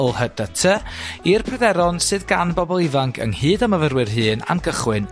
yl hy dy ty i'r pryderon sydd gan bobol ifanc ynghyd a myfyrwyr hŷn am gychwyn